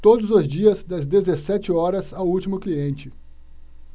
todos os dias das dezessete horas ao último cliente